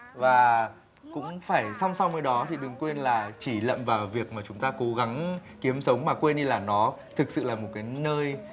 và cũng phải song song với đó thì đừng quên là chỉ lậm vào việc mà chúng ta cố gắng kiếm sống mà quên đi là nó thực sự là một cái nơi